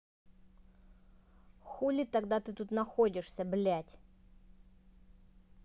хули тогда тут ты находишься блядь